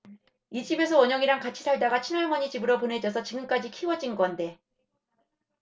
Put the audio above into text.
이 집에서 원영이랑 같이 살다가 친할머니 집으로 보내져서 지금까지 키워진 건데